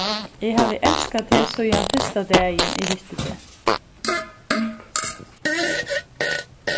eg havi elskað teg síðan fyrsta dagin eg hitti teg